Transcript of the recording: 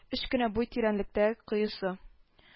Өч кенә буй тирәнлектәге коесы